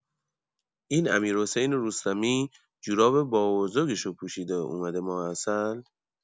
این امیر حسین رستمی جوراب بابابزرگشو پوشیده اومده ماه‌عسل؟